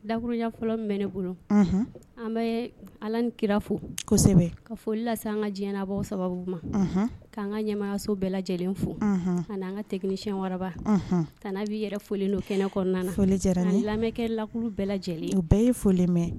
Lakkuruya fɔlɔ bɛ ne bolo an bɛ ala ni kira fo kosɛbɛ ka foli lase an ka diɲɛbɔ sababu ma k'an ka ɲaso bɛɛ lajɛlen fo ani' an ka tɛmɛiniyɛn waraba kana b'i yɛrɛ folilen don kɛnɛ kɔnɔna lamɛnkɛ lakulu bɛɛ lajɛlen bɛɛ ye foli mɛn